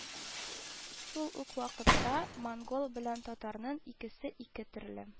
Шул ук вакытта монгол белән татарның икесе ике төрле